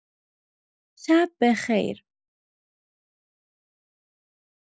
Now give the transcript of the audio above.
شب‌به‌خیر.